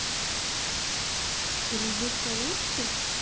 дружить получки